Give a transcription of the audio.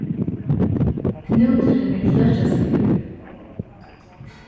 knúturin er fløkjasligur